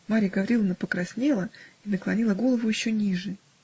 " (Марья Гавриловна покраснела и наклонила голову еще ниже.